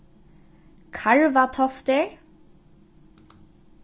karvatoftir